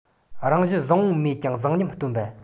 རང བཞིན བཟང པོ མེད ཀྱང བཟང ཉམས སྟོན པ